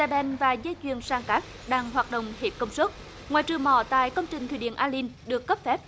xe ben và dây chuyền sang cát đang hoạt động hết công suất ngoài trừ mỏ tại công trình thủy điện a lin được cấp phép